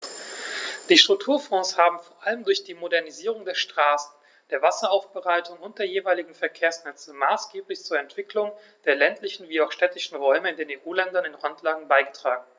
Die Strukturfonds haben vor allem durch die Modernisierung der Straßen, der Wasseraufbereitung und der jeweiligen Verkehrsnetze maßgeblich zur Entwicklung der ländlichen wie auch städtischen Räume in den EU-Ländern in Randlage beigetragen.